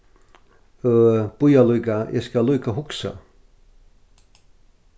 øh bíða líka eg skal líka hugsa